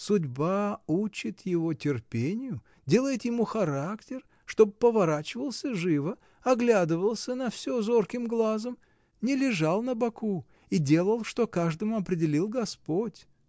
Судьба учит его терпению, делает ему характер, чтоб поворачивался живо, оглядывался на всё зорким глазом, не лежал на боку и делал, что каждому определил Господь.